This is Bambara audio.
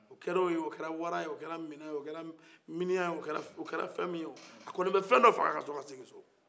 a kɛra o ye wo a kɛra wara ye o a kɛra miniyan ye o a kɛra fɛn min ye o a kɔni bɛ fɛn dɔ faga ka ka segi ka don so